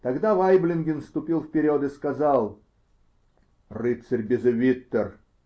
Тогда Вайблинген ступил вперед и сказал: -- Рыцарь Безевиттер!